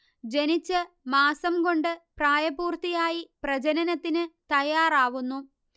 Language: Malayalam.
ജനിച്ച് മാസം കൊണ്ട് പ്രായപൂർത്തിയായി പ്രജനനത്തിന് തയ്യാറാവുന്നു